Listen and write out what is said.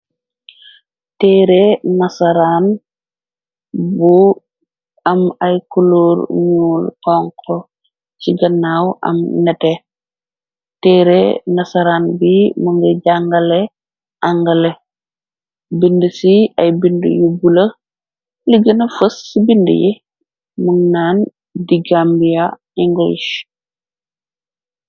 Teere nasaraan bu am ay kuloor ñuul, xonxu ci gannaaw am nete, teere nasaran bi mu ngi jàngale angale, bind ci ay bind yu bula. li gëna fës ci bind yi, mën naan di Gambiya English.